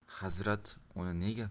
hazrat uni nega